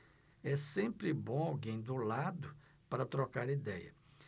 é sempre bom alguém do lado para trocar idéia